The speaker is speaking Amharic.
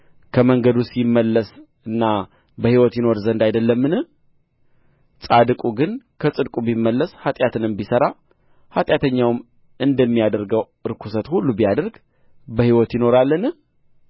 ከመንገዱስ ይመለስና በሕይወት ይኖር ዘንድ አይደለምን ጻድቁ ግን ከጽድቁ ቢመለስ ኃጢአትንም ቢሠራ ኃጢአተኛውም እንደሚያደርገው ርኵሰት ሁሉ ቢያደርግ በሕይወት ይኖራልን